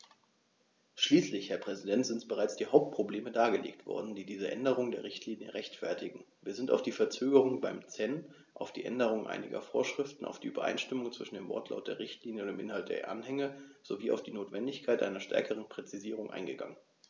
Schließlich, Herr Präsident, sind bereits die Hauptprobleme dargelegt worden, die diese Änderung der Richtlinie rechtfertigen, wir sind auf die Verzögerung beim CEN, auf die Änderung einiger Vorschriften, auf die Übereinstimmung zwischen dem Wortlaut der Richtlinie und dem Inhalt der Anhänge sowie auf die Notwendigkeit einer stärkeren Präzisierung eingegangen.